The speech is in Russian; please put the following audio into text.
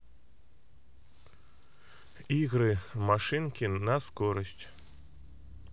игры машинки на скорость